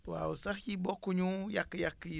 waaw sax yi bokku ñu yàq-yàq yi